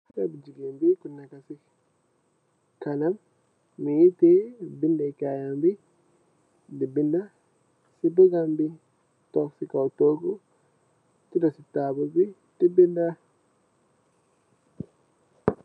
Haley bu jigeen bi, bi nekka ci kanam mungi tè bindèkaayam bi, di binda ci bindam bi. Toog ci kaw toogu, tëdda ci taabal bi di binda.